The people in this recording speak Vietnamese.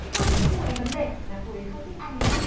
ơ nhưng mà cái vấn đề mà cô ấy không thích anh đúng không